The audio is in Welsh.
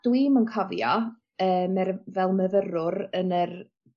dwi'm yn cofio yy mer- fel myfyrwr yn yr